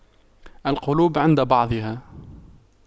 القلوب عند بعضها